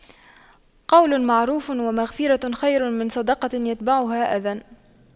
قَولٌ مَّعرُوفٌ وَمَغفِرَةُ خَيرٌ مِّن صَدَقَةٍ يَتبَعُهَا أَذًى